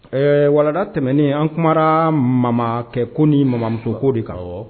Ɛɛ walanda tɛmɛnen an kumara mamakɛ ko ni mamamuso ko de kan ,awɔ.